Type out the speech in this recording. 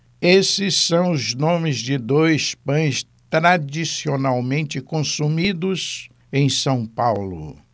esses são os nomes de dois pães tradicionalmente consumidos em são paulo